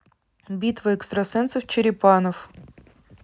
битва экстрасенсов черепанов